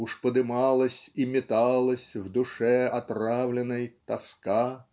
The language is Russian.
Уж подымалась и металась В душе отравленной тоска.